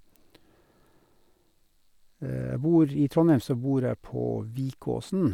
jeg bor I Trondheim så bor jeg på Vikåsen.